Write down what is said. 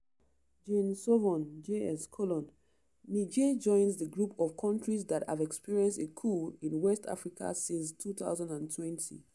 Jean Sovon (JS): Niger joins the group of countries that have experienced a coup in West Africa since 2020.